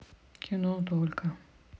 кино только